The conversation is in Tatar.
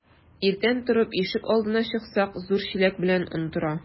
Иртән торып ишек алдына чыксак, зур чиләк белән он тора.